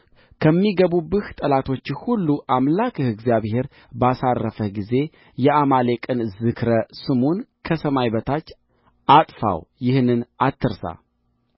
ከሚገቡብህ ጠላቶችህ ሁሉ አምላክህ እግዚአብሔር ባሳረፈህ ጊዜ የአማሌቅን ዝክረ ስሙን ከሰማይ በታች አጥፋው ይህንን አትርሳ